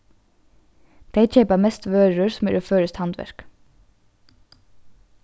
tey keypa mest vørur sum eru føroyskt handverk